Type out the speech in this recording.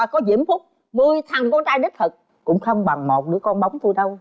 có diễm phúc mười thằng con trai đích thực cũng không bằng một đứa con bóng cô thân